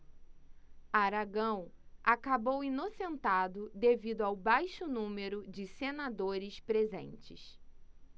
aragão acabou inocentado devido ao baixo número de senadores presentes